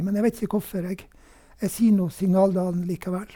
Men jeg vet ikke hvorfor, jeg jeg sier nå Signaldalen likevel.